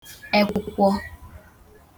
ekwụkwọ